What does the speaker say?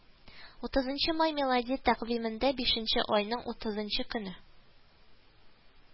Утызынчы май милади тәкъвимендә бишенче айның утызынчы көне